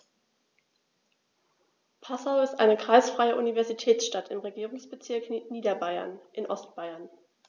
Passau ist eine kreisfreie Universitätsstadt im Regierungsbezirk Niederbayern in Ostbayern.